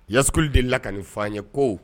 Yasli de la ka nin fɔ ye ko